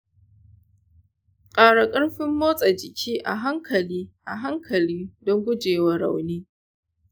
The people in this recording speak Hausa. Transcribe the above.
ƙara ƙarfin motsa jiki a hankali a hankali don guje wa rauni.